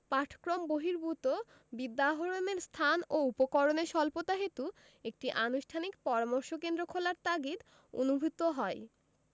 পাঠক্রম বহির্ভূত বিদ্যা আহরণের স্থান ও উপকরণের স্বল্পতাহেতু একটি আনুষ্ঠানিক পরামর্শ কেন্দ্র খোলার তাগিদ অনুভূত হয়